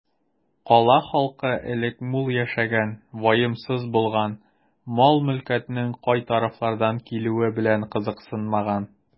Кала халкы элек мул яшәгән, ваемсыз булган, мал-мөлкәтнең кай тарафлардан килүе белән кызыксынмаган.